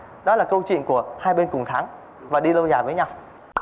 đó là câu chuyện của hai bên cùng thắng và đi lâu dài với nhau